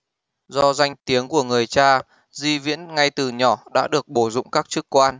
do danh tiếng của người cha di viễn ngay từ nhỏ đã được bổ dụng các chức quan